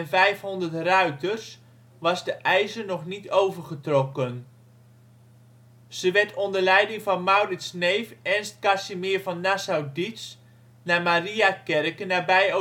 vijfhonderd ruiters, was de IJzer nog niet overgestoken. Ze werd onder leiding van Maurits ' neef Ernst Casimir van Nassau-Dietz naar Mariakerke nabij